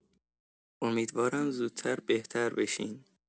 امیدوارم زودتر بهتر بشین.